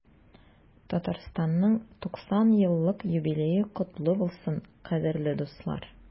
Татарстанның 90 еллык юбилее котлы булсын, кадерле дуслар!